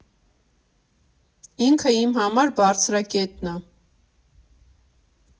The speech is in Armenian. Ինքը իմ համար բարձրակետն ա։